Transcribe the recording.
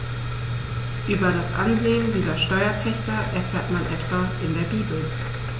Über das Ansehen dieser Steuerpächter erfährt man etwa in der Bibel.